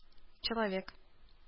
Человек